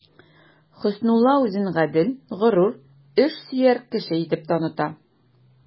Хөснулла үзен гадел, горур, эшсөяр кеше итеп таныта.